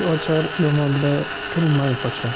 ochar yomondan turmay qochar